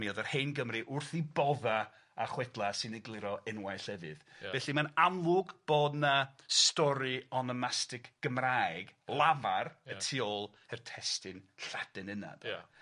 Mi oedd yr hen Gymru wrth 'u bodda â chwedla sy'n egluro enwau llefydd. Ia. Felly ma'n amlwg bod 'na stori onomastig Gymraeg lafar. Ia. Y tu ôl i'r testun Lladin yna 'de. Ia.